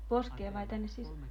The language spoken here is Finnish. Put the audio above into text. poskeen vai tänne sisään